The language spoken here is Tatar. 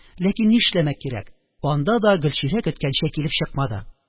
Ләкин, нишләмәк кирәк, анда да Гөлчирә көткәнчә килеп чыкмады